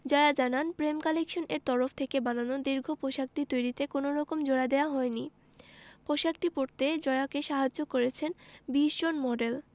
জয়া জানান প্রেম কালেকশন এর তরফ থেকে বানানো দীর্ঘ পোশাকটি তৈরিতে কোনো রকম জোড়া দেয়া হয়নি পোশাকটি পরতে জয়াকে সাহায্য করেছেন ২০ জন মডেল